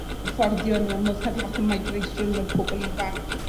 affordio nw. Ma' fel rhyw fath o migration o pobol ifanc.